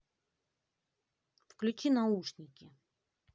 включи наушники